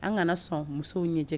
An ka na sɔn musow ɲɛji